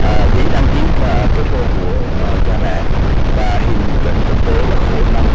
ờ giấy đăng ký cả kết hôn của cha mẹ và hình chuẩn quốc tế là khổ năm